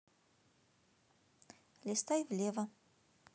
листай влево